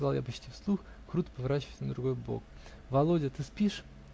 -- сказал я почти вслух, круто поворачиваясь на другой бок. -- Володя! Ты спишь?